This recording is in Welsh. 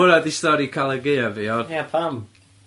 Hwnna 'di stori Calan Gaeaf fi ond... Ie pam?